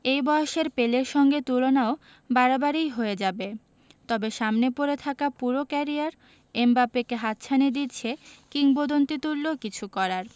এই বয়সের পেলের সঙ্গে তুলনাও বাড়াবাড়িই হয়ে যাবে তবে সামনে পড়ে থাকা পুরো ক্যারিয়ার এমবাপ্পেকে হাতছানি দিচ্ছে কিংবদন্তিতুল্য কিছু করার